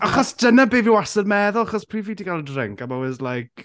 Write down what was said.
Achos dyna be fi wastad yn meddwl achos pryd fi 'di cael drink, I'm always like.